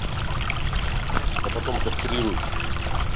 а потом кастрируй